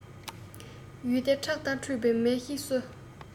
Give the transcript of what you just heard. ཡུལ སྡེ ཁྲག ལྟར འཁྲུག པ མི ཤེས སོ